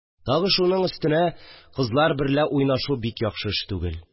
Тагы шуның өстенә кызлар берлә уйнашу бит яхшы эш түгел